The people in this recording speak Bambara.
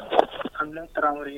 An bɛ karamɔgɔ ye